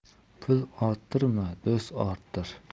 pul orttirma do'st orttir